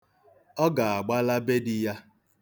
Ọ ga-agbala be di ya.